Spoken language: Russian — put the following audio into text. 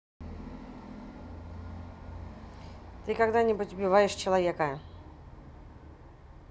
ты когда нибудь убиваешь человека